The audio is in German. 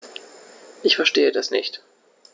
Ich verstehe das nicht.